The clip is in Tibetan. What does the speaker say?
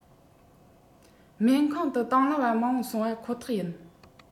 སྨན ཁང དུ དང བླངས པ མང པོ སོང བ ཁོ ཐག ཡིན